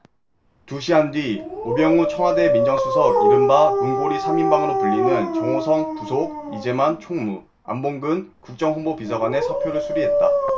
두 시간 뒤 우병우 청와대 민정수석 이른바 문고리 삼 인방으로 불리는 정호성 부속 이재만 총무 안봉근 국정홍보비서관의 사표를 수리했다